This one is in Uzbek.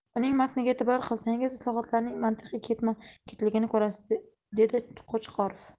uning matniga e'tibor qilsangiz islohotlarning mantiqiy ketma ketligini ko'rasiz dedi qo'chqorov